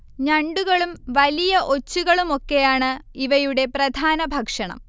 ഞണ്ടുകളും വലിയ ഒച്ചുകളുമൊക്കെയാണ് ഇവയുടെ പ്രധാന ഭക്ഷണം